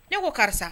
Ne ko karisa